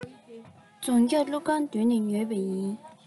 རྫོང རྒྱབ ཀླུ ཁང གི མདུན དེ ནས ཉོས པ ཡིན